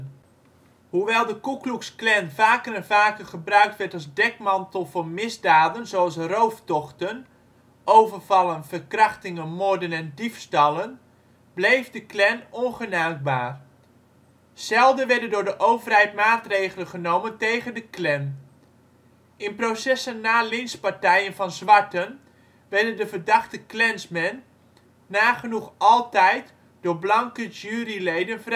Hoewel de Ku Klux Klan vaker en vaker gebruikt werd als dekmantel voor misdaden zoals rooftochten, overvallen, verkrachtingen, moorden en diefstallen, bleef de clan ongenaakbaar. Zelden werden door de overheid maatregelen genomen tegen de Klan. In processen na lynchpartijen van zwarten werden de verdachte Klansmen nagenoeg altijd door blanke juryleden vrijgesproken